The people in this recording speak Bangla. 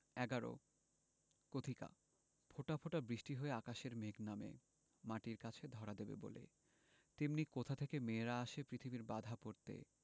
১১ কথিকা ফোঁটা ফোঁটা বৃষ্টি হয়ে আকাশের মেঘ নামে মাটির কাছে ধরা দেবে বলে তেমনি কোথা থেকে মেয়েরা আসে পৃথিবীতে বাঁধা পড়তে